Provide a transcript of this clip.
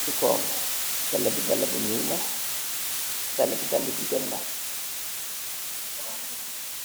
chi kawam, daali bi daalah bu njull la, daali bi daalah gigain la.